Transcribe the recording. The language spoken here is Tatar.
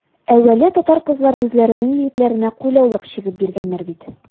Әүвәле татар кызлары үзләренең егетләренә кулъяулык чигеп биргәннәр бит.